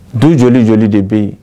Do joli jɔ de bɛ yen